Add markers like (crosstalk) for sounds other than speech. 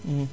(hesitation) (hesitation)